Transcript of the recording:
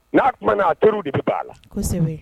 N'a tun na a teri de bɛ b'a la kosɛbɛ